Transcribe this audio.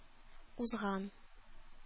Узган